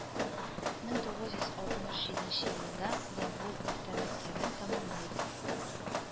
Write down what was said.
Мең тугыз йөз алтмыш җиденче елда яңгул урта мәктәбен тәмамлый